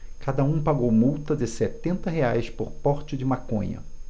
cada um pagou multa de setenta reais por porte de maconha